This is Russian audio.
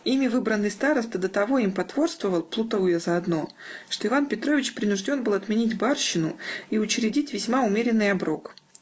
ими выбранный староста до того им потворствовал, плутуя заодно, что Иван Петрович принужден был отменить барщину и учредить весьма умеренный оброк